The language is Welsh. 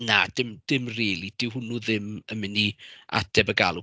Na dim dim rili, dyw hwnnw ddim yn mynd i ateb y galw.